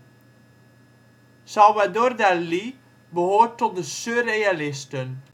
Salvador Dalí behoort tot de surrealisten